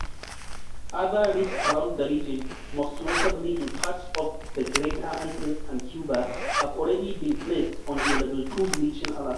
Other reefs around the region, most notably in parts of the Greater Antilles and Cuba, have already been placed on a Level Two Bleaching Alert: